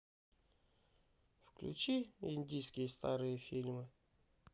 включи индийские старые фильмы